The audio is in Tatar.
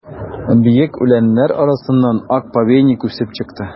Биек үләннәр арасыннан ак повейник үсеп чыкты.